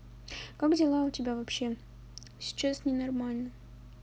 как дела у тебя вообще сейчас не нормально